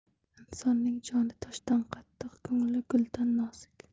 insonning joni toshdan qattiq ko'ngli guldan nozik